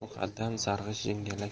muqaddam sarg'ish jingalak